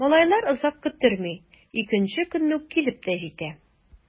Малайлар озак көттерми— икенче көнне үк килеп тә җитә.